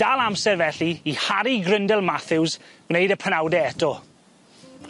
Dal amser, felly, i Harry Gryndel Matthews gwneud y penawde eto.